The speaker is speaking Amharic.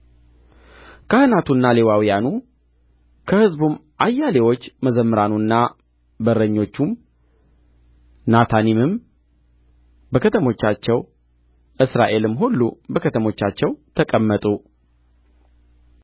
ካህናቱና ሌዋውያኑም ከሕዝቡም አያሌዎች መዘምራኑና በረኞቹም ናታኒምም በከተሞቻቸው እስራኤልም ሁሉ በከተሞቻቸው ተቀመጡ